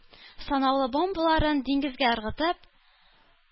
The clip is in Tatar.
Санаулы бомбаларын диңгезгә ыргытып,